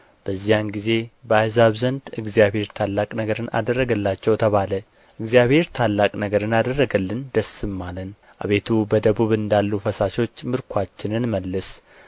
በዚያን ጊዜ በአሕዛብ ዘንድ እግዚአብሔር ታላቅ ነገርን አደረገላቸው ተባለ እግዚአብሔር ታላቅ ነገርን አደረገልን ደስም አለን አቤቱ በደቡብ እንዳሉ ፈሳሾች ምርኮአችንን መልስ